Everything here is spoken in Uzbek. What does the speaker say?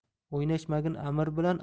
o'ynashmagin amir bilan